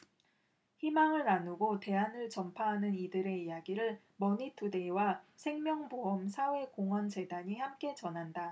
희망을 나누고 대안을 전파하는 이들의 이야기를 머니투데이와 생명보험사회공헌재단이 함께 전한다